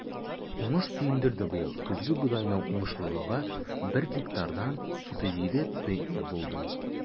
Уңыш сөендерде быел: көзге бодайның уңышлылыгы бер гектардан 37 центнер булды.